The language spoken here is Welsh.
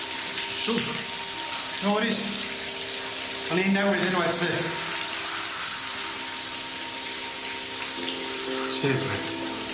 Truth? No worries. O'n i'n newydd unwaith sti. Cheers mate.